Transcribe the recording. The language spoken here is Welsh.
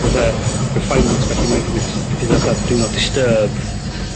fatha refinemnt felly mae'n gneud petha fatha do not disturb